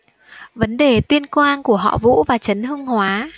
vấn đề tuyên quang của họ vũ và trấn hưng hóa